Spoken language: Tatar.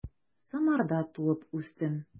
Самарда туып үстем.